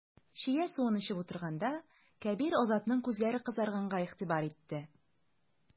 Чия суын эчеп утырганда, Кәбир Азатның күзләре кызарганга игътибар итте.